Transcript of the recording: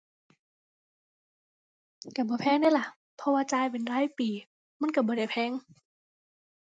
ก็บ่แพงเดะล่ะ เพราะว่าจ่ายเป็นรายปี มันก็บ่ได้แพง